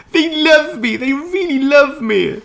They love me! They really love me.